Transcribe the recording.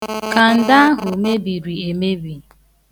Kanda ahụ mebiri emebi.